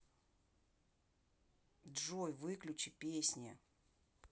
джой выключи песни